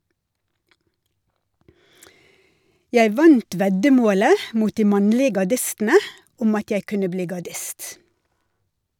Jeg vant veddemålet mot de mannlige gardistene om at jeg kunne bli gardist.